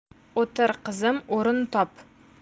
o'tir qizim o'rin top